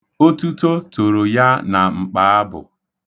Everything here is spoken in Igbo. Otuto toro ya na mkpaabụ.